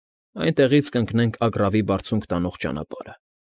Այնտեղից կընկնենք Ագռավի Բարձունքը տանող ճանապարհը։